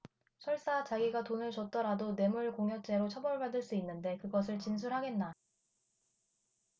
설사 자기가 돈을 줬더라도 뇌물공여죄로 처벌받을 수 있는데 그것을 진술하겠나